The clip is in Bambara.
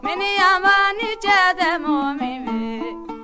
miniyanba ni cɛ tɛ mɔgɔ min fɛ